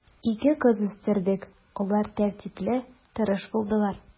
Ике кыз үстердек, алар тәртипле, тырыш булдылар.